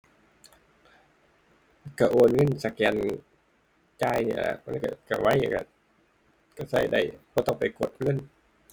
ก็โอนเงินสแกนจ่ายนี่ล่ะ มันก็ ก็ไว ก็ก็ได้ บ่ต้องไปกดเงิน